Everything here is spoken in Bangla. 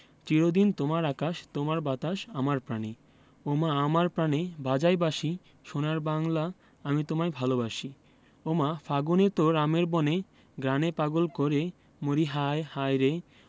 চির দিন তোমার আকাশ তোমার বাতাস আমার প্রাণে ওমা আমার প্রানে বাজায় বাঁশি সোনার বাংলা আমি তোমায় ভালোবাসি ওমা ফাগুনে তোর আমের বনে ঘ্রাণে পাগল করে মরিহায় হায়রে